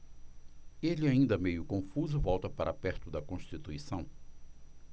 ele ainda meio confuso volta para perto de constituição